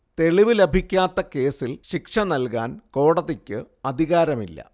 തെളിവു ലഭിക്കാത്ത കേസിൽ ശിക്ഷ നല്കാൻ കോടതിക്ക് അധികാരമില്ല